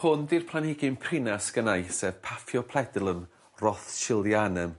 Hwn 'di'r planhigyn prina sgynnai sef Paphiopedilum rothschildianum